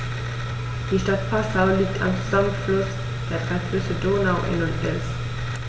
Die Stadt Passau liegt am Zusammenfluss der drei Flüsse Donau, Inn und Ilz.